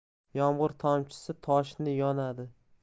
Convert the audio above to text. yomg'ir tomchisi toshni yo'nadi